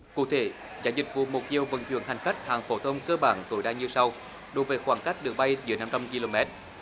cụ thể giá dịch vụ mục tiêu vận chuyển hành khách hạng phổ thông cơ bản tối đa như sau đối với khoảng cách đường bay dưới năm trăm ki lô mét